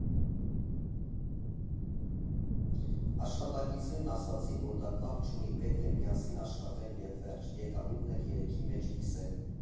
Աշխատակիցներն ասացին, որ դա կապ չունի, պետք է միասին աշխատեն և վերջ, եկամուտն էլ երեքի մեջ կիսեն։